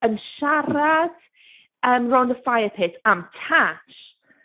yn siarad yym rownd y firepit am Tash.